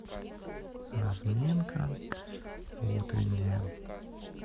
разминка утренняя